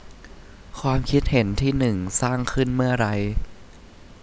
ความคิดเห็นที่หนึ่งสร้างขึ้นเมื่อไร